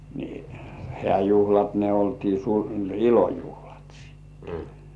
niin hääjuhlat ne oltiin - ilojuhlat sitten